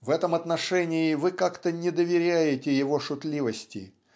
В этом отношении вы как-то не доверяете его шутливости